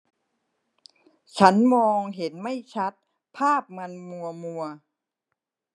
ฉันมองเห็นไม่ชัดภาพมันมัวมัว